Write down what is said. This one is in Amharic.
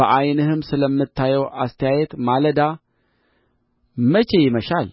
በዓይንህም ስለምታየው አስተያየት ማለዳ መቼ ይመሻል